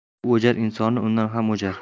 suv o'jar inson undan ham o'jar